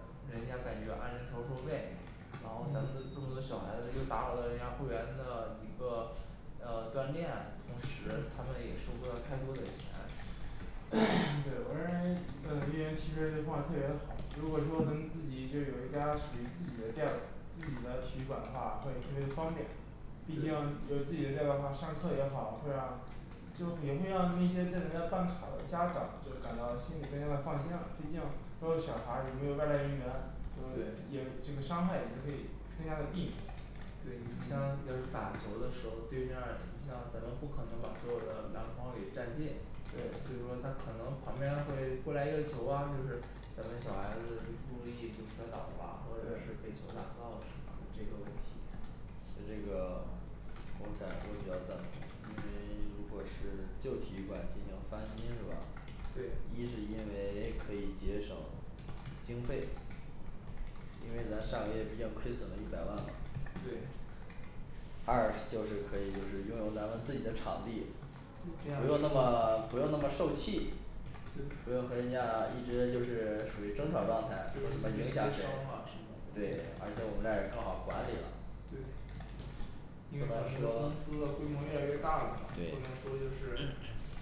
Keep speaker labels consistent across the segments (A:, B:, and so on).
A: 人家感觉按人头儿收费然后咱们就这么
B: 嗯
A: 多小孩子又打扰了人家会员的一个要锻炼同时他
B: 嗯
A: 们也收不到太多的钱
B: 对我认为呃运营提出的这方法特别好如果说咱们自己就有一家属于自己的店自己的体育馆的话会特别方便毕竟
A: 对
B: 有自己地儿的话上课也好会让就也会让那些在咱家办卡的家长就感到心里更加的放心了毕竟都是小孩儿也没有外来人员就
C: 对
A: 对
B: 也这个伤害也就可以更加的避免
A: 对你大家要是打球的时候对面儿你像咱们不可能把所有的篮筐给占尽
B: 对
A: 比如说他可能旁边会过来一个球啊就是咱们小孩子一不注意就摔倒啦或者
B: 对
A: 被球打到了什么这个问题对
C: 一是因为可以节省经费因为咱上个月毕竟亏损了一百万嘛
A: 对
C: 二就是可以就是拥有咱们自己的场地
A: 对
C: 不
A: 这
C: 用那
A: 样
C: 么 不用那么受气
A: 对
C: 不用和人家一直就是处于争吵状态有什么
A: 就
C: 影
A: 协
C: 响
A: 商啊什么的
C: 对而且我们那儿也更好管理了
A: 对
C: 不
A: 因为
C: 能
A: 咱们
C: 说
A: 公司规模越来越大了不能
C: 对
A: 说就是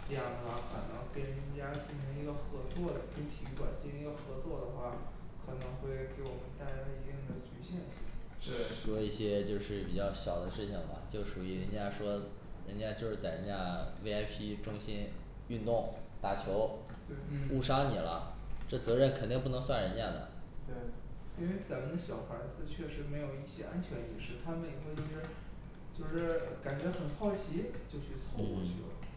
A: 这样的跟人家进行一个合作的跟体育馆进行一个合作的话可能会给我们带来一定的局限性
C: 说一些就是比较小的事情吧就属于人家
B: 对
C: 说人家就是咱家V I P中心运动打球误
B: 对
C: 伤你了
A: 嗯
C: 这责任肯定不能算人家的
A: 对因为咱们的小孩儿子确实没有一些安全意识他们也会就是就是感觉很好奇就去凑过去了
C: 嗯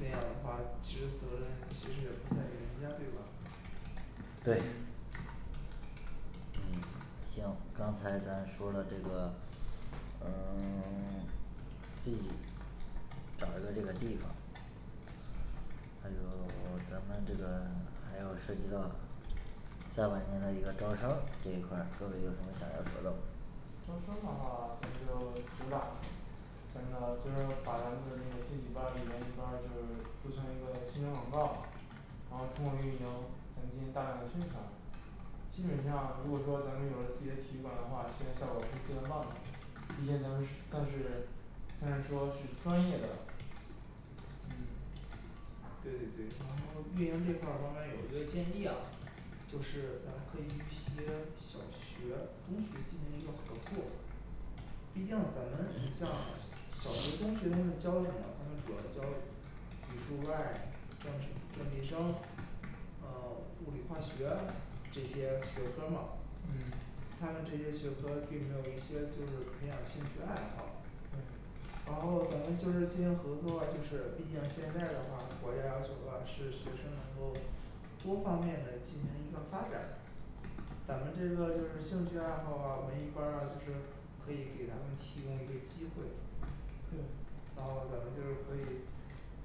A: 那样的话其实责任其实也不在于人家对吧
D: 对
C: 嗯
B: 招生的话 咱们就 主打基本你像如果说咱们有了自己的体育馆的话宣传效果是非常棒的毕竟咱们是算是算是说是专业的嗯
A: 对对对然后运营这一块儿方面有一个建议啊就是咱可以与一些小学中学进行一个合作毕竟咱们像小学中学他们教什么他们主要教语数外政史 政地生呃 物理化学这些学科儿嘛
B: 嗯
A: 他们这些学科并没有一些就是培养兴趣爱好
B: 嗯
A: 然后咱们就是进行合作就是毕竟现在的话国家要求了是学生能够多方面的进行一个发展咱们这个就是兴趣爱好啊文艺班儿啊就是可以给咱们提供一个机会
C: 对
A: 然后咱们就可以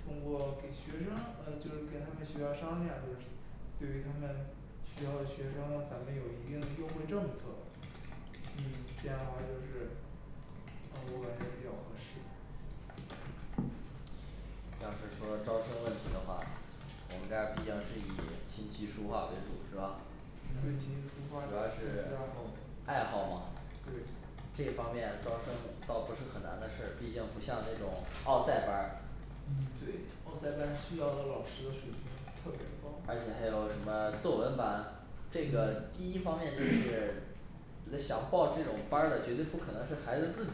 A: 通过给学生嗯就是跟他们学校商量就是对于他们学校的学生咱们有一定优惠政策
B: 嗯
A: 这样的话就是啊我感觉比较合适
C: 要是说招生问题的话我们这儿毕竟是以琴棋书画为主是吧
B: 对琴
A: 嗯
B: 棋书画
C: 主要
B: 兴趣
C: 是
B: 爱
C: 爱好嘛
B: 好对
C: 这方面招生倒不是很难的事毕竟不像那种奥赛班儿
B: 嗯
A: 对奥赛班需要的老师的水平特别高
C: 而且还有什么作文班这个第一方面就是你想报这种班儿的绝对不可能是孩子自己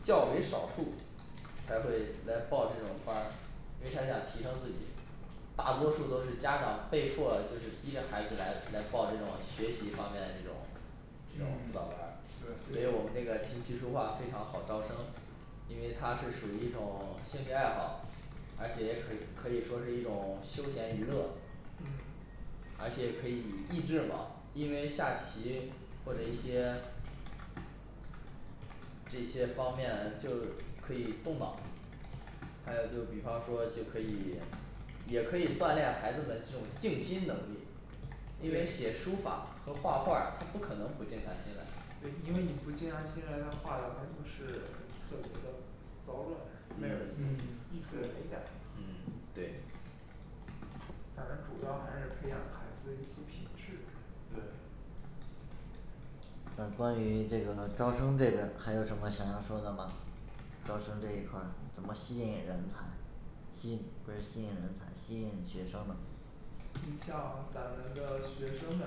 C: 较为少数才会来报这种班儿因为他想提升自己大多数都是家长被迫就是逼着孩子来来报这种学习方面的这种这
A: 嗯
C: 种辅导班儿
A: 对
C: 所以我们这个琴棋书画非常好招生因为它是属于一种兴趣爱好而且也可可以说是一种休闲娱乐
A: 嗯
C: 而且可以益智嘛因为下棋或者一些这一些方面就可以动脑子还有就比方说就可以也可以锻炼孩子们这种静心能力因为写书法和画画儿它不可能不静下心来
B: 嗯对
C: 嗯对
A: 咱们主要还是培养孩子的一些品质
C: 对
A: 你像咱们的学生们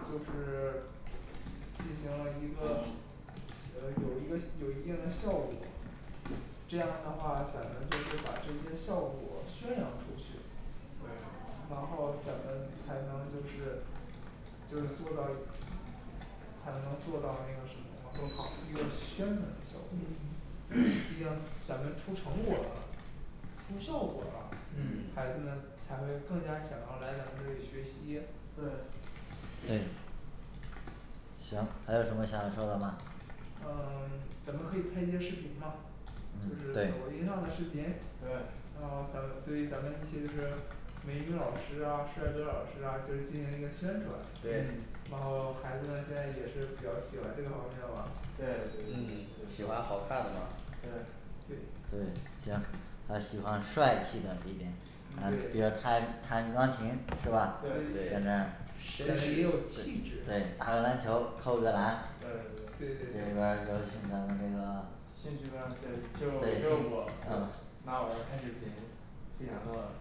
A: 就是进行了一个呃有一定有一定的效果这样的话咱们就是把这些效果宣扬出去
B: 对
A: 然后咱们才能就是就是做的才能做到那个什么吗一个宣传的效果
B: 嗯
A: 毕竟 咱们出成果了出效果了
C: 嗯
A: 孩子们才会更加想要来咱们这里学习
B: 对
D: 对
A: 嗯 咱们可以拍一些视频嘛就是
D: 嗯
A: 抖
D: 对
A: 音上的视频
B: 对
A: 然后咱们对于咱们这些是，美女老师啊帅哥老师啊就是进行一个宣传然
C: 对
A: 后孩子呢现在也是比较喜欢这个方面吧对
B: 对对对
C: 嗯喜欢好看的嘛
B: 对
D: 对行他喜欢帅气的一点
A: 嗯对对
C: 对
A: 显得
B: 绅
A: 也
B: 士
A: 有气质
D: 对打个篮球扣个篮
B: 对对对
A: 对
D: 这边
A: 对对
D: 儿尤其咱们这个对嗯
B: 这两个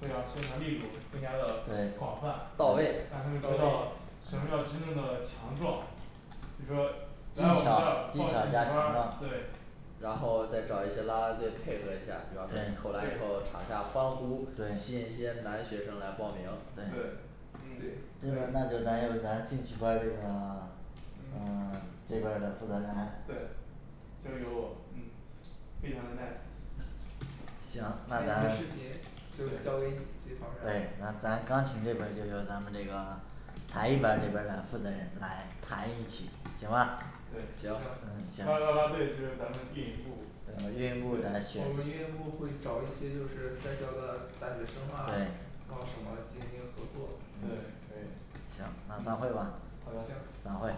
B: 会让宣传力度更加的
D: 对
B: 广泛
C: 到位
B: 让他们知
D: 到位
B: 道什么叫真正的强壮就说来我们这儿报
D: 技巧技
B: 兴趣班
D: 巧加强
B: 儿
D: 壮
B: 对
C: 然后再找一些拉拉队配合一下儿比方说
D: 对
C: 你投篮以
B: 对
C: 后场下欢呼
D: 对
C: 吸引一些男学生来报名
B: 对
D: 对
B: 嗯
A: 对
D: 这个
B: 对
D: 那就咱由咱兴趣班儿这个 呃
B: 嗯
D: 这边儿的负责人
B: 对就有嗯非常的nice
D: 行
A: 拍一些视频
D: 那咱
A: 就交给你这方面儿
D: 对那咱钢琴这个就由咱们这个才艺班儿这边儿来负责人来弹一曲行吧
C: 对
D: 嗯
B: 行
D: 行
B: 那啦啦队就由咱们运营部
D: 嗯运营部来选
A: 我们运营部会找一些就是在校的大学生啊
D: 对
A: 还有什么进行一些合作
B: 对可以
D: 行那散会吧
B: 好的
D: 散
A: 行
D: 会